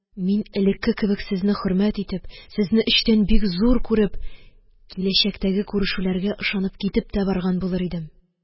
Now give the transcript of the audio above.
Мин элекке кебек сезне хөрмәт итеп, сезне эчтән бик зур күреп, киләчәктәге күрешүләргә ышанып китеп тә барган булыр идем.